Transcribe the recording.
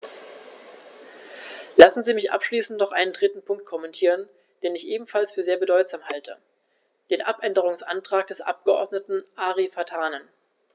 Lassen Sie mich abschließend noch einen dritten Punkt kommentieren, den ich ebenfalls für sehr bedeutsam halte: den Abänderungsantrag des Abgeordneten Ari Vatanen.